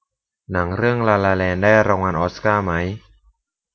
หนังเรื่องลาลาแลนด์ได้รางวัลออสการ์มั้ย